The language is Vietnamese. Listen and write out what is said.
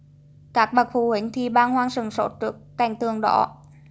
các bậc phụ huynh thì bàng hoàng sửng sốt trước cảnh tượng đó